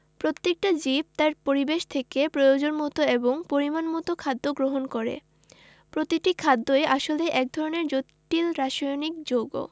প্রত্যেকটা জীব তার পরিবেশ থেকে প্রয়োজনমতো এবং পরিমাণমতো খাদ্য গ্রহণ করে প্রতিটি খাদ্যই আসলে এক ধরনের জটিল রাসায়নিক যৌগ